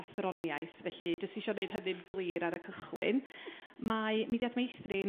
athroniaeth felly jys' isio neud hynny'n glir ar y cychwyn. Mae Mudiad Meithrin